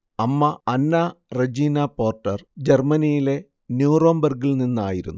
അമ്മ Anna Regina Porter ജർമ്മനിയിലെ ന്യൂറംബർഗ്ഗിൽ നിന്നായിരുന്നു